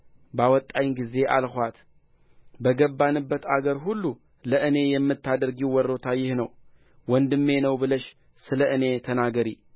ባወጣኝ ጊዜ አልኋት በገባንበት አገር ሁሉ ለእኔ የምታደርጊው ወሮታ ይህ ነው ወንድሜ ነው ብለሽ ስለ እኔ ተናገሪ